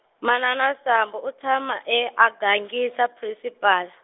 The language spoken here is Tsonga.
manana Sambo- u tshama e a gangisa prinsipala.